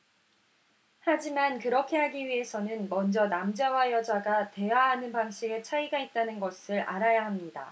하지만 그렇게 하기 위해서는 먼저 남자와 여자가 대화하는 방식에 차이가 있다는 것을 알아야 합니다